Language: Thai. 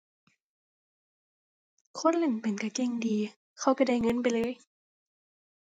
คนเล่นเป็นก็เก่งดี เขาก็ได้เงินไปเลย